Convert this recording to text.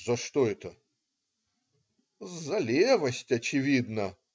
-"За что это?" - "За левость, очевидно.